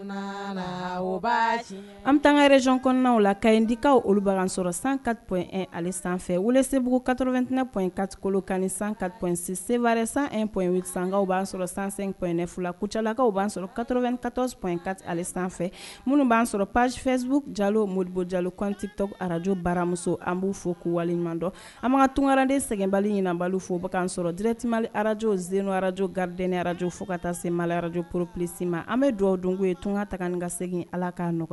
An tanreson kɔnɔnaw la kadikaw sɔrɔ sanka sanfɛkatotɛ-pkati 1 ka se san pkaw b' sɔrɔ sanpɛf fila kuclakaw b'an sɔrɔ kato2 katɔspti ale sanfɛ minnu b'an sɔrɔ pazfɛbu jalo mobu jalo cotitɔ arajo baramuso an b'u fɔ k'u waleɲuman an ma ka tunkaraden sɛgɛnbali ɲiniinaba fɔ bagan kkanan sɔrɔ dtima arajo z araj garidɛ ararajo fo kata sema arajo poropsi ma an bɛ dugawu don ye tun ka ta ka seginegin ala k kaa nɔgɔ ɲɔgɔn